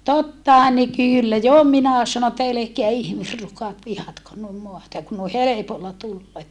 tottahan ne - jo minä sanoin että älkää ihmisrukat vihatko noin maata ja kun noin helpolla tulee